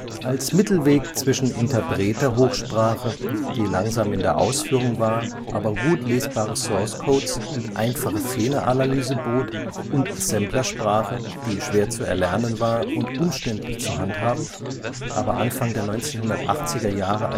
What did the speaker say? Als Mittelweg zwischen Interpreter-Hochsprache (langsam in der Ausführung, aber gut lesbare Sourcecodes und einfache Fehleranalyse) und Assemblersprache (schwer zu erlernen und umständlich zu handhaben, aber Anfang der 1980er Jahre